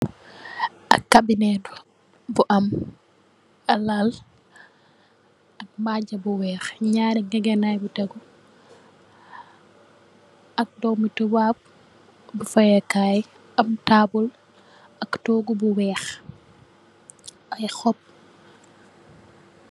Ak cabinetu bu am lal ak mbaja bu weih nyarri ngegehnai bu tegu ak domi tubab bu foyeh kai ak tabul ak togu bu weih I hopp.